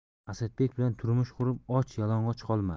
asadbek bilan turmush qurib och yalang'och qolmadi